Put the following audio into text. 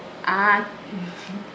aa